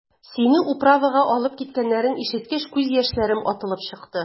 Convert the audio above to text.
Сине «управа»га алып киткәннәрен ишеткәч, күз яшьләрем атылып чыкты.